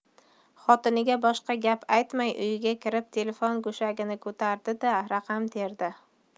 xotiniga boshqa gap aytmay uyiga kirib telefon go'shagini ko'tardi da raqam terdi